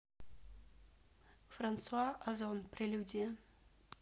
франсуа озон прелюдия